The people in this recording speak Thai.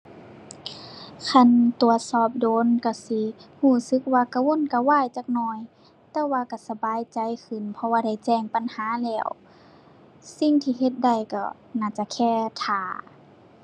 คันตรวจสอบโดนก็สิก็สึกว่ากระวนกระวายจักหน่อย แต่ว่าก็สบายใจขึ้น เพราะว่าได้แจ้งปัญหาแล้ว สิ่งที่เฮ็ดได้ก็น่าจะแค่ท่า